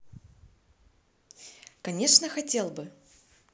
конечно хотел бы